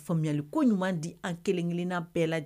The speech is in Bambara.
Faamuyayali ko ɲuman di an kelenkelenina bɛɛ lajɛ